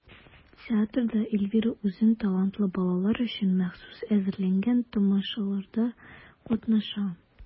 Театрда Эльвира үзен талантлы балалар өчен махсус әзерләнгән тамашаларда катнаша.